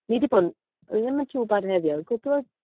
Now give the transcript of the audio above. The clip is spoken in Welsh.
Ni 'di bod yn... oedd e ddim yn too bad heddi, ond y cwpl o...